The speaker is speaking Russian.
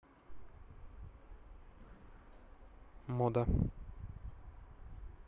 мода